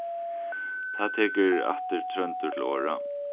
tá tekur aftur tróndur til orða